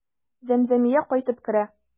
Зәмзәмия кайтып керә.